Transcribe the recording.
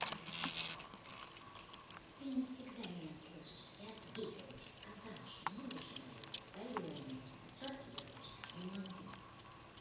ты не всегда меня слышишь я ответила уже сказала что мне больше нравится соленый а сладкий вытерпеть не могу